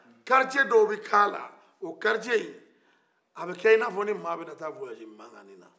kin dɔw be k'ala o kiw a bɛ kɛ i na fɔ ni maa bɛ na taa taama mankanni na